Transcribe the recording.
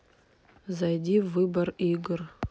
зайди в выбор игр